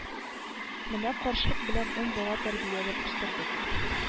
Менә карчык белән ун бала тәрбияләп үстердек